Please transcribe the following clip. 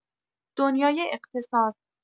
دنیای اقتصاد